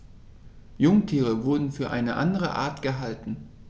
Jungtiere wurden für eine andere Art gehalten.